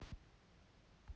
ужас а не sberbox